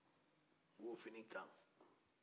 u ye o fini kan